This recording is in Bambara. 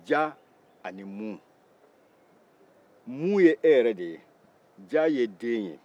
ja ani mu mu y'e yɛrɛ de ye ja ye den ye